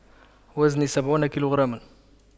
وزني سبعون كيلوغراما